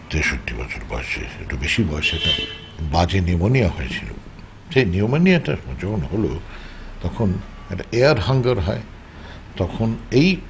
৬৩ বছর বয়সে একটু বেশি বয়সে একটা বাজে নিউমোনিয়া হয়েছিল সে নিউমোনিয়া টা যখন হলো তখন এয়ার হাঙ্গার হয় তখন এই